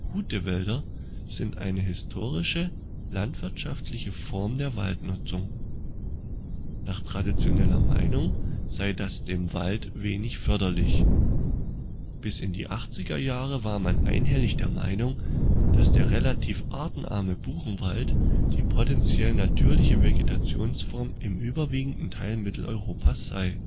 Hutewälder sind eine historische, landwirtschaftliche Form der Waldnutzung. Nach traditioneller Meinung sei das dem " Wald " wenig förderlich. Bis in die achtziger Jahre war man einhellig der Meinung, dass der relativ artenarme Buchenwald die potenziell natürliche Vegetationsform im überwiegenden Teil Mitteleuropas sei